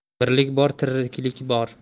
birlik bor tiriklik bor